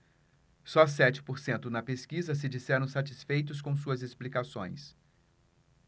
só sete por cento na pesquisa se disseram satisfeitos com suas explicações